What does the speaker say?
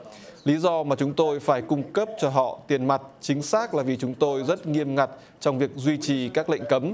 lý do mà chúng tôi phải cung cấp cho họ tiền mặt chính xác là vì chúng tôi rất nghiêm ngặt trong việc duy trì các lệnh cấm